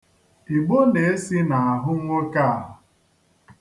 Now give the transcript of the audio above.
Igbo na-esi n'ahụ nwoke a.